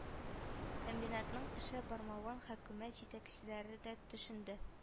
Комбинатның эше бармавын хөкүмәт җитәкчеләре дә төшенде